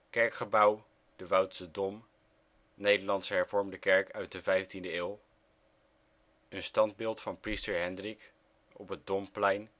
Kerkgebouw, Woudse Dom (Nederlands Hervormde Kerk) (15e eeuw) Standbeeld, Priester Hendrik, Domplein